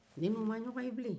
ne ni u ma ɲɔgɔn ye bile